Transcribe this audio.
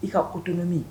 I ka o tulolo min